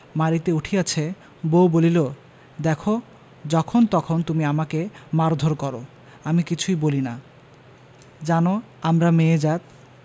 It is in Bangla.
মারিতে উঠিয়াছে বউ বলিল দেখ যখন তখন তুমি আমাকে মারধর কর আমি কিছুই বলি না জান আমরা মেয়ে জাত